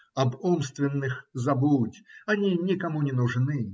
Об умственных забудь: они никому не нужны.